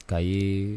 Ka ye